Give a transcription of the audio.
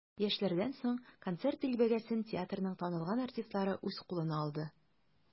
Яшьләрдән соң концерт дилбегәсен театрның танылган артистлары үз кулына алды.